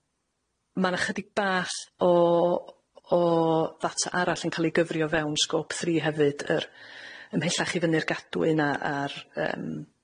Ma' 'na chydig bach o o ddata arall yn ca'l ei gyfri o fewn scope three hefyd yr ymhellach i fyny'r gadwyn a a'r yym